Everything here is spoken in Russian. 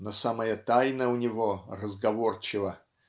но самая тайна у него разговорчива